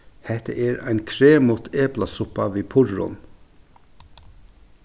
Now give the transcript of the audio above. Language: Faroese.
hetta er ein kremut eplasuppa við purrum